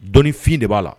Dɔnifin de b'a la